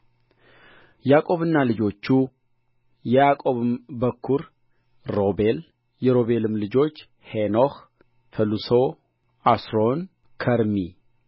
ሁሉ ለግብፅ ሰዎች ርኵስ ነውና በጌሤም እንድትቀመጡ እንዲህ በሉት